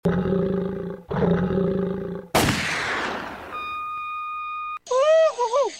Yo